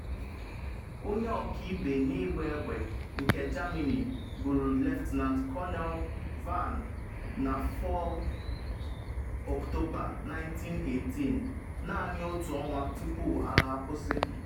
Onye ọkaibe n’ịgba egbe nke Germany gburu Lt Col Vann na 4 Oktoba 1918 - naanị otu ọnwa tupu agha akwụsị.